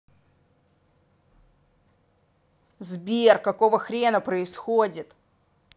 сбер какого хрена происходит